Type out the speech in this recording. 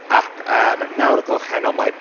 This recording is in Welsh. Ac am naw o'r gloch heno mae...